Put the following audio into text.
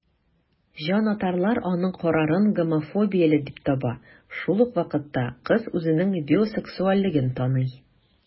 Җанатарлар аның карарын гомофобияле дип таба, шул ук вакытта кыз үзенең бисексуальлеген таный.